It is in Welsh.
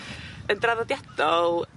yn draddodiadol